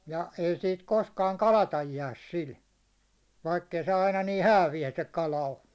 ja ei siitä koskaan kalatta jää sillä vaikka ei se aina niin hääviä se kala ole